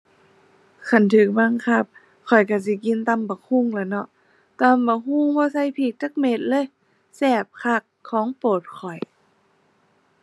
คันถูกบังคับข้อยถูกสิกินตำบักหุ่งล่ะเนาะ ตำบักหุ่งบ่ใส่พริกจักเม็ดเลย แซ่บคัก ของโปรดข้อย